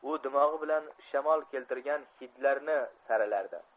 u dimog'i bilan shamol keltirgan hidlarni saralardi